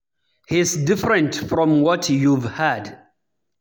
He's different from what you've had.